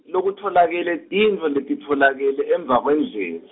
lokutfolakele, tintfo letitfolakele emva kwendlel-.